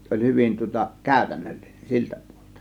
se oli hyvin tuota käytännöllinen siltä puolelta